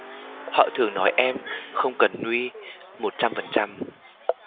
họ thường nói em không cần nude một trăm phần trăm